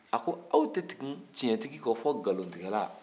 a ko aw tɛ tugu tiɲɛtigi kɔ fɔ nkalontigɛla